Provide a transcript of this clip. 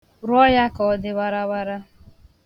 Rụọ ya ka ọ dị warawara.